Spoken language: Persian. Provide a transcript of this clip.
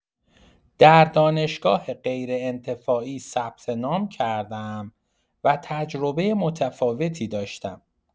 در دانشگاه غیرانتفاعی ثبت‌نام کردم و تجربه متفاوتی داشتم.